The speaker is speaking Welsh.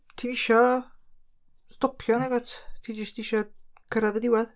Ti'm isio stopio nagwyt ti jyst isio cyrraedd y diwadd.